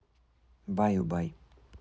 баю бай